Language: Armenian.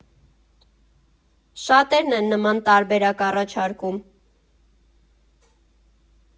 Շատերն են նման տարբերակ առաջարկում։